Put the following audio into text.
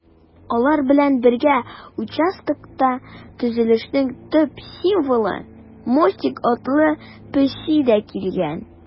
Алар белән бергә участокта төзелешнең төп символы - Мостик атлы песи дә килгән.